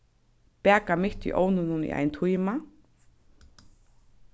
baka mitt í ovninum í ein tíma